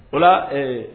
Ala ee